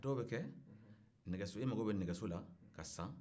dɔw bɛ kɛ nɛgɛso i mako bɛ kɛ nɛgɛsola ka san